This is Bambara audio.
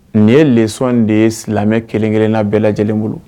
Nin ye leçon de ye silamɛ kelen kelenna bɛɛ lajɛlen bolo.